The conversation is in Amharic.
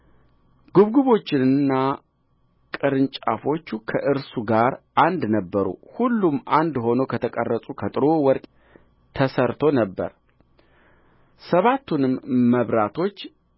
ጕብጕቦቹና ቅርንጫፎቹ ከእርሱ ጋር አንድ ነበሩ ሁሉም አንድ ሆኖ ከተቀረጸ ከጥሩ ወርቅ ተሠርቶ ነበር ሰባቱንም መብራቶች